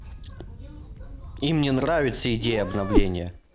им не нравится идея обновления